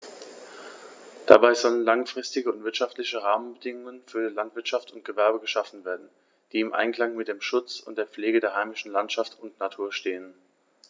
Dabei sollen langfristige und wirtschaftliche Rahmenbedingungen für Landwirtschaft und Gewerbe geschaffen werden, die im Einklang mit dem Schutz und der Pflege der heimischen Landschaft und Natur stehen.